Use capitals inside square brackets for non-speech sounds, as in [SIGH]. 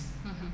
[HESITATION] [HESITATION]